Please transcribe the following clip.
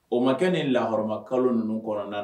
O ma kɛ nin lahɔrɔma kalo ninnu kɔnɔna na